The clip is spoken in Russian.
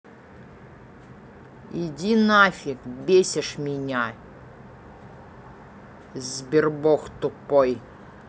иди нафиг бесишь меня sberbox тупой